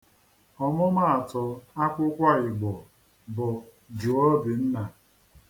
Ọmụmaatụ akwụkwọ Igbo bụ 'Jụọ Obinna'.